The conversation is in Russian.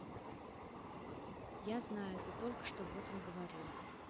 я знаю ты только что вот он говорил